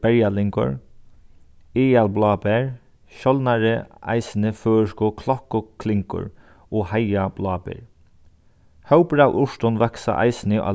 berjalyngur aðalbláber sjáldnari eisini føroysku og heiðabláber hópur av urtum vaksa eisini á